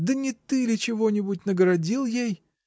Да не ты ли чего-нибудь нагородил ей?